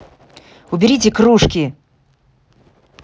уберите кружки